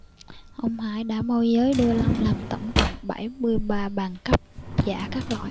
ông hải đã môi giới đưa long làm tổng cộng bảy mươi ba bằng cấp giả các loại